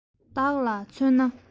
བདག ལ མཚོན ན